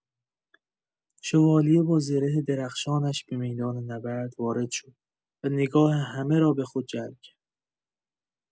شوالیه با زره درخشانش به میدان نبرد وارد شد و نگاه همه را به خود جلب کرد.